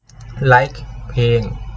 ไลค์เพลง